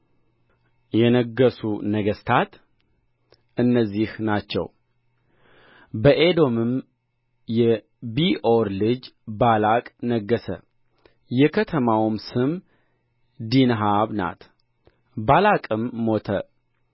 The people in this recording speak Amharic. የነገሡ ነገሥታት እነዚህ ናቸው በኤዶምም የቢዖር ልጅ ባላቅ ነገሠ የከተማውም ስም ዲንሃባ ናት ባላቅም ሞተ